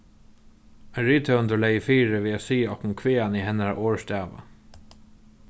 ein rithøvundur legði fyri við at siga okkum hvaðani hennara orð stava